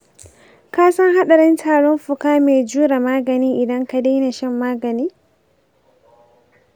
ka san haɗarin tarin fuka mai jure magani idan ka daina shan magani?